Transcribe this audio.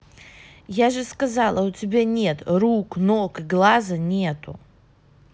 я же сказала у тебя нет рук ног и глаза нету